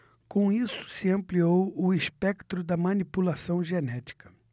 com isso se ampliou o espectro da manipulação genética